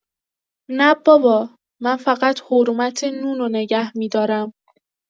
نه بابا… من فقط حرمت نونو نگه می‌دارم.